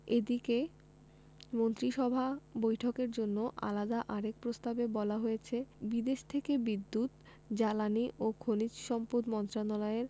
এদিকে মন্ত্রিসভা বৈঠকের জন্য আলাদা আরেক প্রস্তাবে বলা হয়েছে বিদেশ থেকে বিদ্যুৎ জ্বালানি ও খনিজ সম্পদ মন্ত্রণালয়ের